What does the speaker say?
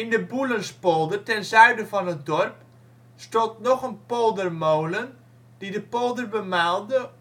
de Boelenspolder ten zuiden van het dorp stond nog een poldermolen die de polder bemaalde